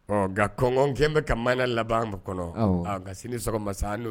Nka kɔngɔkɛ bɛ ka mana laban kɔnɔ nka sini sɔn masa n